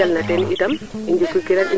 Marie Faye o Ndoundokh ya Henry Marcel